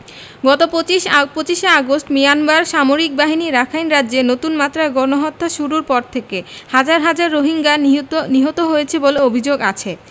গত ২৫ August Myanmar সামরিক বাহিনী রাখাইন রাজ্যে নতুন মাত্রায় গণহত্যা শুরুর পর থেকে হাজার হাজার রোহিঙ্গা নিহত হয়েছে বলে অভিযোগ আছে